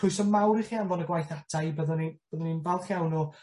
Crwyso mawr i chi anfon y gwaith ata i byddwn i byddwn i'n falch iawn o